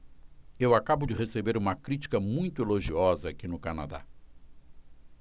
eu acabo de receber uma crítica muito elogiosa aqui no canadá